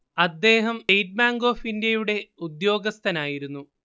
അദ്ദേഹം state bank of ഇന്ത്യയുടെ ഉദ്യോഗസ്ഥനായിരുന്നു